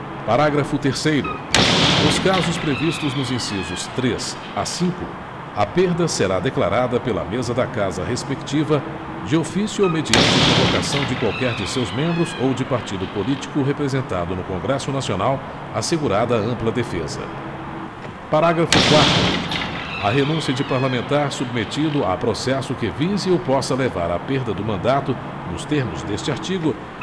parágrafo terceiro nos casos previstos nos incisos três a cinco a perda será declarada pela mesa da casa respectiva de ofício ou mediante provocação de qualquer de seus membros ou de partido político representado no congresso nacional assegurada ampla defesa parágrafo quarto a renúncia de parlamentar submetido a processo que vise ou possa levar à perda do mandato nos termos deste artigo